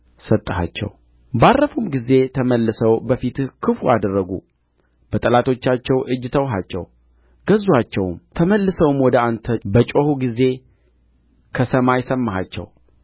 ሰጠሃቸው ባረፉም ጊዜ ተመልሰው በፊትህ ክፉ አደረጉ በጠላቶቻቸው እጅ ተውሃቸው ገዙአቸውም ተመልሰውም ወደ አንተ በጮኹ ጊዜ ከሰማይ ሰማሃቸው